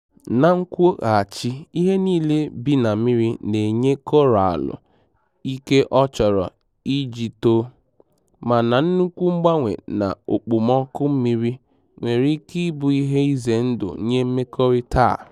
Na nkwughachị, ihe nille bị na mmiri na-enye Koraalụ ike ọ chọrọ iji to, mana nnukwu mgbanwe n'okpomọọkụ mmiri nwere ike ịbụ ihe ize ndụ nye mmekọrịta a.